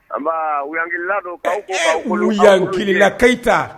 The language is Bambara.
Nba yan don olula kayitayita